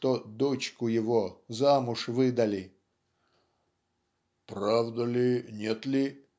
что дочку его замуж выдали. "Правда ли, нет ли,